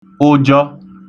ụjọ